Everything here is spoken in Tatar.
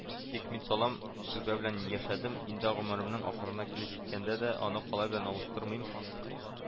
— тик мин салам түбә белән яшәдем, инде гомеремнең ахырына килеп җиткәндә, аны калай белән алмаштырмыйм